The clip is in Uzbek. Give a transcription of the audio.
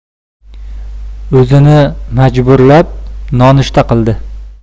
uzini majburlab nonushta qildi